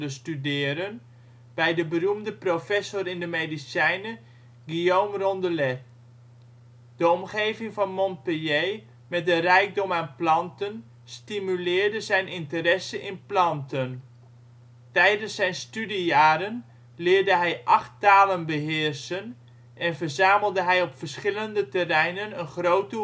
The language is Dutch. studeren bij de beroemde professor in de medicijnen Guillaume Rondelet. De omgeving van Montpellier met de rijkdom aan planten stimuleerde zijn interesse in planten. Tijdens zijn studiejaren leerde hij acht talen beheersen en verzamelde hij op verschillende terreinen een grote